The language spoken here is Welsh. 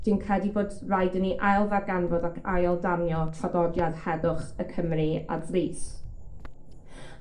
dwi'n credu bod raid i ni ail-ddarganfod ac ail-danio traddodiad heddwch y Cymry ar frys.